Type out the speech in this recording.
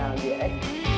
nè dễ